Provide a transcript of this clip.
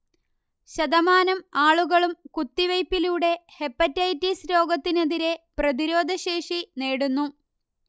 ശതമാനം ആളുകളും കുത്തിവെയ്പിലൂടെ ഹെപ്പറ്റൈറ്റിസ് രോഗത്തിനെതിരെ പ്രതിരോധശേഷി നേടുന്നു